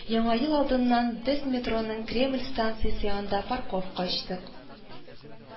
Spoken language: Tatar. “яңа ел алдыннан без метроның кремль станциясе янында парковка ачтык